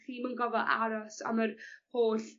chi'm yn gofo aros am yr holl